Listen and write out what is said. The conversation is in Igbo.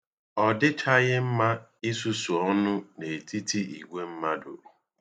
Ọ dịchaghị mma isusu ọnụ n'etiti igwe mmadụ.